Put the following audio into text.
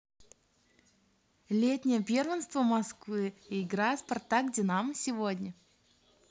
летнее первенство москвы игра спартак динамо сегодня